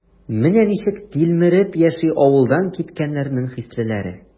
Менә ничек тилмереп яши авылдан киткәннәрнең хислеләре?